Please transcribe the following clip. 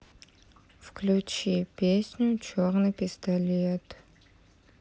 включи песню черный пистолет